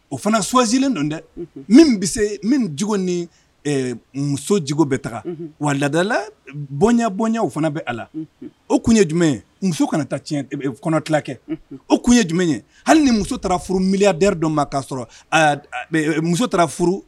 O fana swazlen don dɛ min bɛ se minjugu ni musojugu bɛ taga wa laadadala bɔnbonw fana bɛ a la o kun ye jumɛn ye muso kana taa tiɲɛ kɔnɔti kɛ o kun ye jumɛn ye hali ni muso taara furu miya da dɔ ma ka sɔrɔ muso taara furu